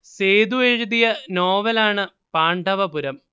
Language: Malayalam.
സേതു എഴുതിയ നോവലാണ് പാണ്ഡവപുരം